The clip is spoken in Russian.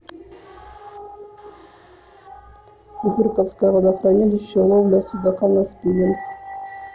горьковское водохранилище ловля судака на спиннинг